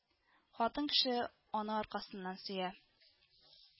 Хатын кеше аны аркасыннан сөя